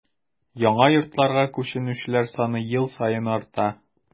Яңа йортларга күченүчеләр саны ел саен арта.